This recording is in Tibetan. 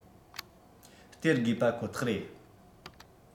སྟེར དགོས པ ཁོ ཐག རེད